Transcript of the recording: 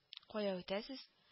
- кая үтәсез